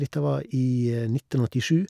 Dette var i nitten åttisju.